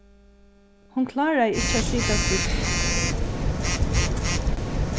hon kláraði ikki at sita still s